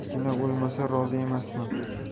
yigitgina o'lmasa rozi emasman